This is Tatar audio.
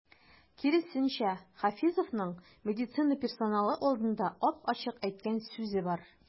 Киресенчә, Хафизовның медицина персоналы алдында ап-ачык әйткән сүзе бар.